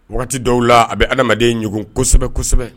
Wagati dɔw laa a be adamaden ɲugun kosɛbɛ-kosɛbɛ